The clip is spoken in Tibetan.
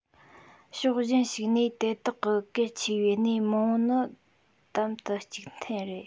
ཕྱོགས གཞན ཞིག ནས དེ དག གི གལ ཆེ བའི གནས མང པོ ནི དམ དུ གཅིག མཐུན རེད